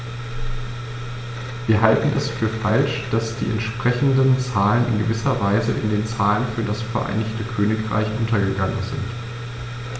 Wir halten es für falsch, dass die entsprechenden Zahlen in gewisser Weise in den Zahlen für das Vereinigte Königreich untergegangen sind.